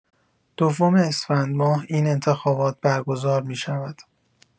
دوم اسفندماه این انتخابات برگزار می‌شود.